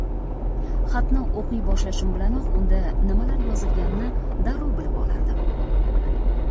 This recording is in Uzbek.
xatni o'qiy boshlashim bilanoq unda nimalar yozil ganini darrov bilib olardim